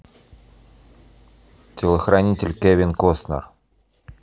телохранитель кевин костнер